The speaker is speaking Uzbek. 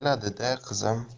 keladi da qizim